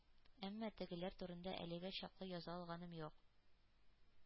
Әмма тегеләр турында әлегә чаклы яза алганым юк.